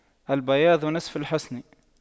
البياض نصف الحسن